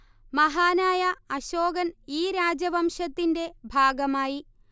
മഹാനായ അശോകന് ഈ രാജവംശത്തിന്റെ ഭാഗമായി